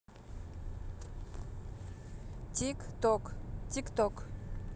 тик ток тикток